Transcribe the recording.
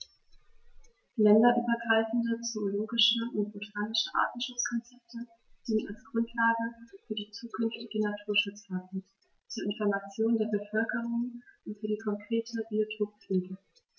Länderübergreifende zoologische und botanische Artenschutzkonzepte dienen als Grundlage für die zukünftige Naturschutzarbeit, zur Information der Bevölkerung und für die konkrete Biotoppflege.